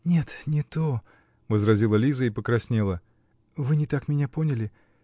-- Нет, не то, -- возразила Лиза и покраснела. -- Вы не так меня поняли.